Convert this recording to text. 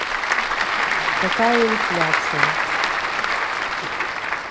какая инфляция